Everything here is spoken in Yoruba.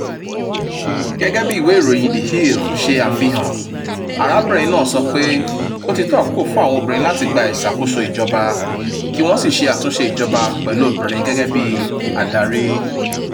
"Gẹ́gẹ́ bí ìwé ìròyìn The Hill ṣe àfihàn hàn, arábìnrin náà sọ pé ó ti tó àkókò fún àwọn obìnrin láti gbà ìṣàkóso ìjọba, kí wọ́n sì ṣe àtúnṣe ìjọba pẹ̀lú obìnrin gẹ́gẹ́ bí adarí.